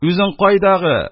Үзең кайдагы?